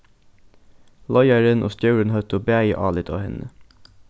leiðarin og stjórin høvdu bæði álit á henni